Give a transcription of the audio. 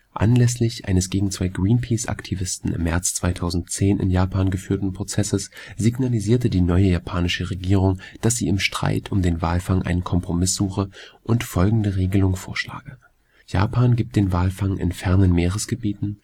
Anlässlich eines gegen zwei Greenpeace-Aktivisten im März 2010 in Japan geführten Prozesses signalisierte die neue japanische Regierung, dass sie im Streit um den Walfang einen Kompromiss suche und folgende Regelung vorschlage: Japan gibt den Walfang in fernen Meeresgebieten